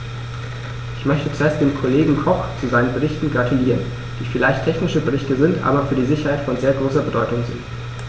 Ich möchte zuerst dem Kollegen Koch zu seinen Berichten gratulieren, die vielleicht technische Berichte sind, aber für die Sicherheit von sehr großer Bedeutung sind.